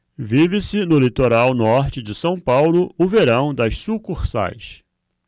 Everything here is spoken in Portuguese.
vive-se no litoral norte de são paulo o verão das sucursais